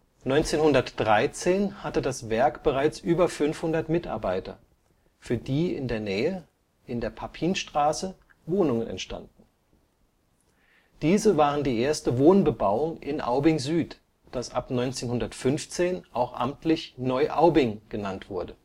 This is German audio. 1913 hatte das Werk bereits über 500 Mitarbeiter, für die in der Nähe, in der Papinstraße, Wohnungen entstanden. Diese waren die erste Wohnbebauung in Aubing-Süd, das ab 1915 auch amtlich Neuaubing genannt wurde